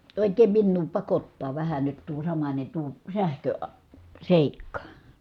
oikein minua pakottaa vähän nyt tuo samainen tuo - sähköseikka